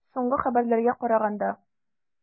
Соңгы хәбәрләргә караганда.